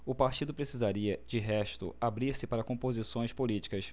o partido precisaria de resto abrir-se para composições políticas